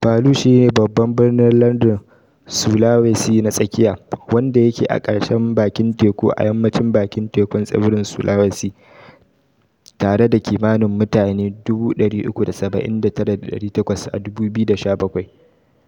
Palu shi ne babban birnin lardin Sulawesi na tsakiya, wanda yake a ƙarshen bakin teku a yammacin bakin tekun tsibirin Sulawesi, tare da kimanin mutane 379,800 a 2017.